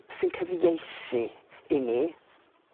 ...sy'n cyfieithu i ni.